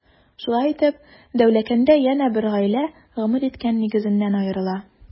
Шулай итеп, Дәүләкәндә янә бер гаилә гомер иткән нигезеннән аерыла.